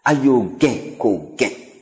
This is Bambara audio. a y'o gɛn k'o gɛn